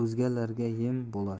o'zgalarga yem bolar